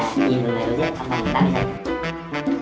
hai bạn